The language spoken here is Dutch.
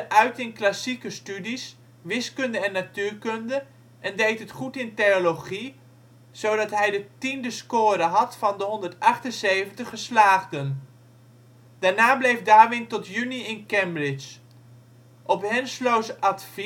uit in klassieke studies, wiskunde en natuurkunde en deed het goed in theologie, zodat hij de tiende score had van de 178 geslaagden. Daarna bleef Darwin tot juni in Cambridge. Op Henslows advies